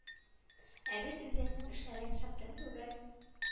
Ә бит үзеңнең эшләрең шәптән түгел